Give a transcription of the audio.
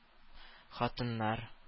Хатыннар